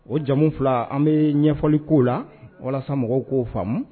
O jamu fila an bɛ ɲɛfɔli ko la walasa mɔgɔw k'o faamu